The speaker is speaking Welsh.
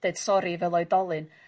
deud sori fel oedolyn.